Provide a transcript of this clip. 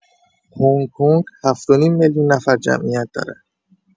هنگ‌کنگ هفت و نیم میلیون نفر جمعیت دارد.